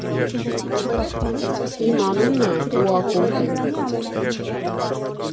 Իմ անունը Ուակոկ է։